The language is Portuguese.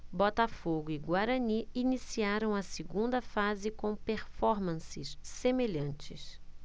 botafogo e guarani iniciaram a segunda fase com performances semelhantes